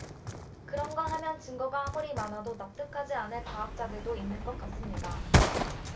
그런가 하면 증거가 아무리 많아도 납득하지 않을 과학자들도 있는 것 같습니다